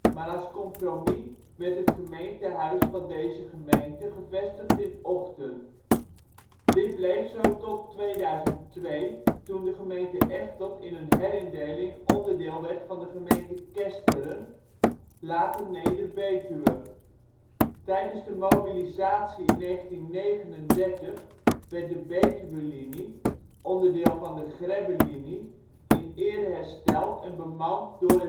maar als compromis werd het gemeentehuis van deze gemeente gevestigd in Ochten. Dit bleef zo tot 2002 toen de gemeente Echteld in een herindeling onderdeel werd van de gemeente Kesteren, later Neder-Betuwe. Tijdens de mobilisatie in 1939 werd de betuwelinie, onderdeel van de Grebbelinie, in ere hersteld en bemand door